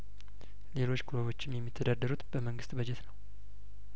ሌሎች ክለቦችም የሚተዳደሩት በመንግስት በጀት ነው